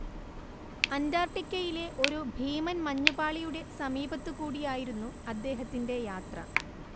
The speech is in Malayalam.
അന്റാർട്ടിക്കയിലെ ഒരു ഭീമൻ മഞ്ഞുപാളിയുടെ സമീപത്തുകൂടിയായിരുന്നു അദ്ദേഹത്തിന്റെ യാത്ര